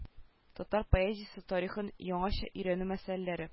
Татар поэзиясе тарихын яңача өйрәнү мәсьәләләре